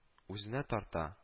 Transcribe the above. Үзенә тарта